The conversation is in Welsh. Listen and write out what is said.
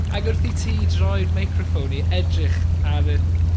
Ag wrth i ti droi'r meicroffon i edrych ar y